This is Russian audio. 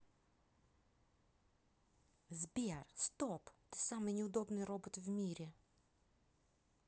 сбер стоп ты самый неудобный робот в мире